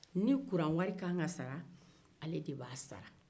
ni kuran wari k'an sara ale de b'a sara